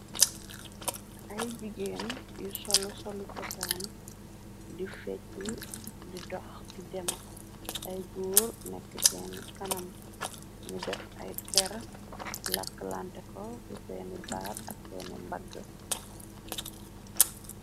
Ay jigéen yu solu solu cosaan di fecc di dox di dem, ay goor nekk seen kanam, nu def ay per laklanteko ci seeni baat, ak feeni mbagg.